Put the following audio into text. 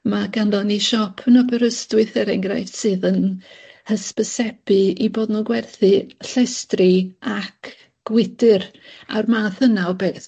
Ma' ganddon ni siop yn Aberystwyth, er enghraifft, sydd yn hysbysebu 'u bod nw gwerthu llestri ac gwydyr a'r math yna o beth.